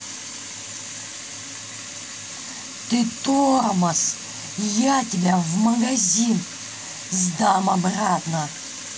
ты тормоз я тебя в магазин сдам обратно